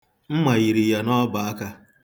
Mma yiri ya n'ọbọaka